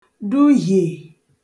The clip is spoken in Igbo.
duhiè